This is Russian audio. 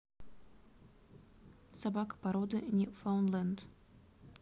собака породы не фаундленд